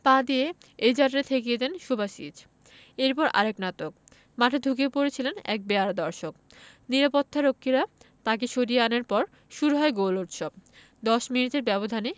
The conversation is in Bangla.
পা দিয়ে এ যাত্রায় ঠেকিয়ে দেন সুবাসিচ এরপর আরেক নাটক মাঠে ঢুকে পড়েছিলেন এক বেয়াড়া দর্শক নিরাপত্তারক্ষীরা তাকে সরিয়ে আনার পর শুরু হয় গোল উৎসব ১০ মিনিটের ব্যবধানে